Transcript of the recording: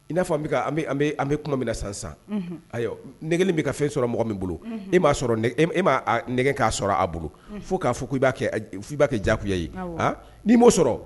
I n'a fɔ an bɛ kuma min na san san ayiwa nege bɛ ka fɛn sɔrɔ mɔgɔ min bolo e m'a sɔrɔ e'a k'a sɔrɔ a bolo fo k'a fɔ i b'a kɛ jaya ye aa ni'i m'o sɔrɔ